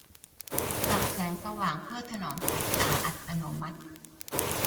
ปรับแสงสว่างเพื่อถนอมสายตาอัตโนมัติ